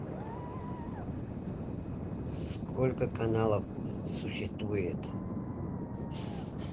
сколько каналов существует